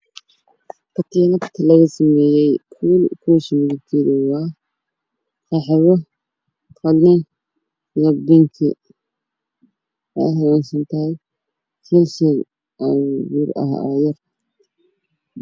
Waa katiinad laga sameeyey kuul midabkeedu waa qaxwi, korna waa Bingi.